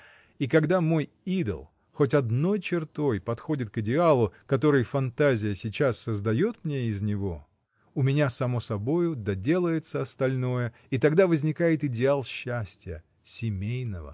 И когда мой идол хоть одной чертой подходит к идеалу, который фантазия сейчас создает мне из него, — у меня само собою доделается остальное, и тогда возникает идеал счастья, семейного.